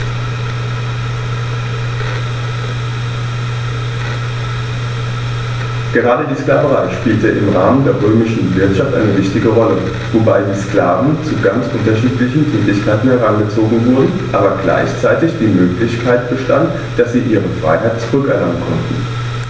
Gerade die Sklaverei spielte im Rahmen der römischen Wirtschaft eine wichtige Rolle, wobei die Sklaven zu ganz unterschiedlichen Tätigkeiten herangezogen wurden, aber gleichzeitig die Möglichkeit bestand, dass sie ihre Freiheit zurück erlangen konnten.